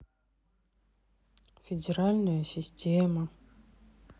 федеральная система